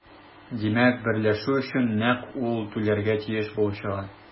Димәк, берләшү өчен нәкъ ул түләргә тиеш булып чыга.